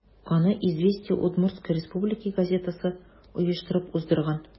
Аны «Известия Удмуртсткой Республики» газетасы оештырып уздырган.